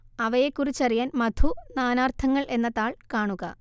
അവയെക്കുറിച്ചറിയാൻ മധു നാനാർത്ഥങ്ങൾ എന്ന താൾ കാണുക